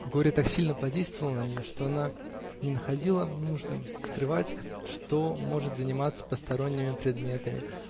Горе так сильно подействовало на нее, что она не находила нужным скрывать, что может заниматься посторонними предметами